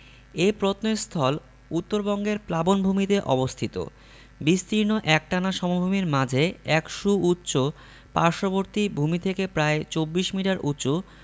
এ প্রত্নস্থল উত্তরবঙ্গের প্লাবনভূমিতে অবস্থিত বিস্তীর্ণ একটানা সমভূমির মাঝে এক সুউচ্চ পার্শ্ববর্তী ভূমি থেকে প্রায় ২৪ মিটার উঁচু